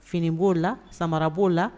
Fini b'o la samara b'o la